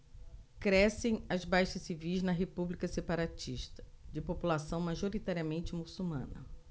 crescem as baixas civis na república separatista de população majoritariamente muçulmana